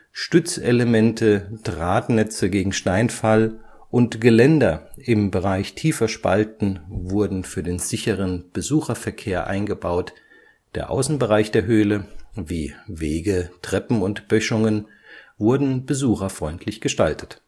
Stützelemente, Drahtnetze gegen Steinfall und Geländer im Bereich tiefer Spalten wurden für den sicheren Besucherverkehr eingebaut, der Außenbereich der Höhle, wie Wege, Treppen und Böschungen, wurden besucherfreundlich gestaltet